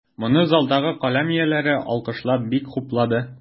Моны залдагы каләм ияләре, алкышлап, бик хуплады.